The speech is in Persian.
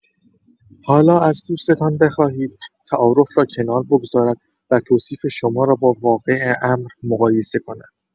حالا از دوست‌تان بخواهید تعارف را کنار بگذارد و توصیف شما را با واقع امر مقایسه کند.